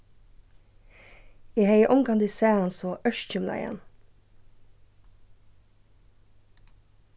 eg hevði ongantíð sæð hann so ørkymlaðan